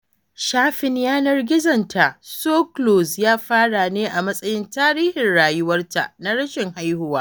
Shafin yanar gizonta, So Close, ya fara ne a matsayin tarihin rayuwar ta na rashin haihuwa